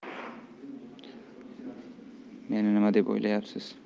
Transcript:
meni nima deb o'ylayapsiz